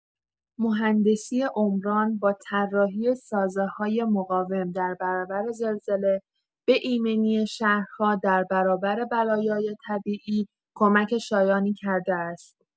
مهندسی عمران با طراحی سازه‌های مقاوم در برابر زلزله، به ایمنی شهرها در برابر بلایای طبیعی کمک شایانی کرده است.